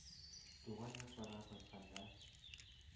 Туган якларга кайтканда: